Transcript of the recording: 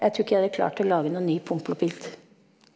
jeg trur ikke hadde klart å lage noen ny Pompel og Pilt.